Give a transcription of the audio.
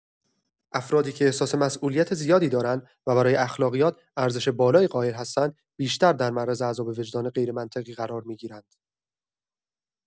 افرادی که احساس مسئولیت زیادی دارند و برای اخلاقیات ارزش بالایی قائل هستند، بیشتر در معرض عذاب وجدان غیرمنطقی قرار می‌گیرند.